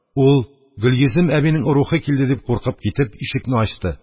Ул: «Гөлйөзем әбинең рухы килде», – дип куркып китеп, ишекне ачты.